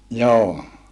joo